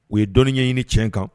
U ye dɔnniiyaɲini tiɲɛ kan